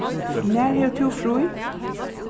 nær hevur tú frí